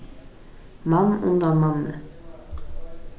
mann undan manni